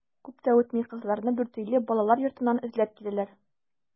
Күп тә үтми кызларны Дүртөйле балалар йортыннан эзләп киләләр.